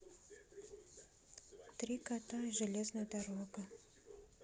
три кота и железная дорога